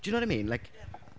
do you know what I mean like?